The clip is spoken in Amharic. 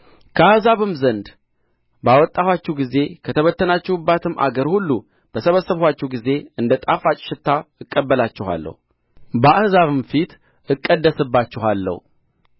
ከአሕዛብም ዘንድ ባወጣኋችሁ ጊዜ ከተበተናችሁባትም አገር ሁሉ በሰበሰብኋችሁ ጊዜ እንደ ጣፋጭ ሽታ እቀበላችኋለሁ በአሕዛብም ፊት እቀደስባችኋለሁ